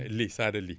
Ly Sada Ly